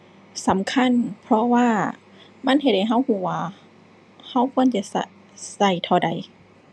สำคัญ เพราะว่ามันเฮ็ดให้เราเราว่า เราควรที่ซะ เราเท่าใด